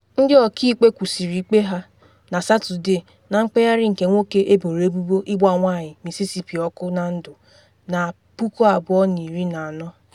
Ndị ọkaikpe kwụsịrị ikpe ya na Satọde na mkpegharị nke nwoke eboro ebubo ịgba nwanyị Mississipi ọkụ na ndụ na 2014.